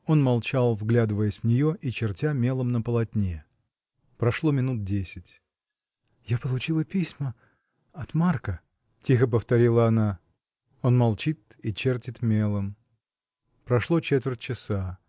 Он молчал, вглядываясь в нее и чертя мелом на полотне. Прошло минут десять. — Я получила письма. от Марка. — тихо повторила она. Он молчит и чертит мелом. Прошло четверть часа.